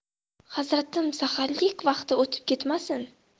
hazratim saharlik vaqti o'tib ketmasin